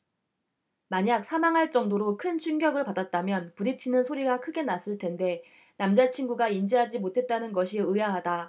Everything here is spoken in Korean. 만약 사망할 정도로 큰 충격을 받았다면 부딪치는 소리가 크게 났을 텐데 남자친구가 인지하지 못했다는 것이 의아하다